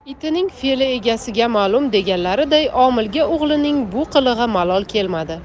itining fe'li egasiga ma'lum deganlariday omilga o'g'lining bu qilig'i malol kelmadi